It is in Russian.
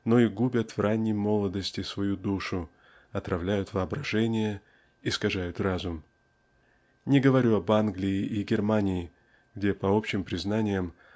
но и губят в ранней молодости свою душу отравляют воображение искажают разум. Не говорю об Англии и Германии где по общим признаниям